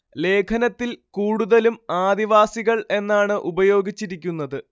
ലേഖനത്തിൽ കൂടുതലും ആദിവാസികൾ എന്നാണ് ഉപയോഗിച്ചിരിക്കുന്നത്